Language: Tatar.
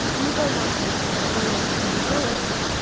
Ник алмасын, улым, бик алыр.